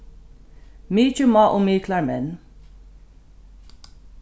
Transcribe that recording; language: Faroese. mikið má um miklar menn